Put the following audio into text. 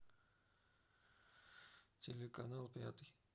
телеканал пятый